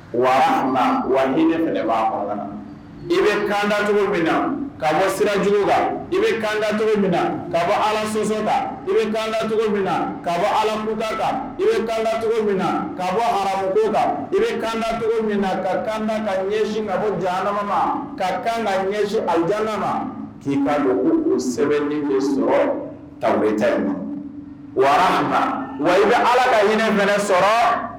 Wara wa minɛba la i bɛ kan jugu min na ka bɔ sira juguba i bɛ kanda cogo mina kaa bɔ ala sɔsɔba i bɛ kancogo min kaa bɔ alamda ta i bɛ kancogo min na kaa bɔ alauguda i bɛ kan jugu mina na ka kanda ka ɲɛsin ka bɔ janrabamama ka kan ka ɲɛsin a jama k'i ka don sɛbɛnni sɔrɔ ta tɛ ma wara wa i bɛ ala ka hinɛinɛ mɛnɛ sɔrɔ